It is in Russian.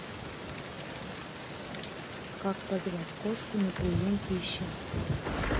как позвать кошку на прием пищи